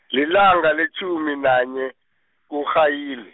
lilanga letjhumi nanye, kuMrhayili.